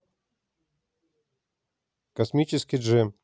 космический джем